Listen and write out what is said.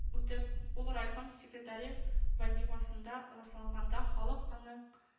Үтеп ул райком секретаре вазифасында расланганда халык аның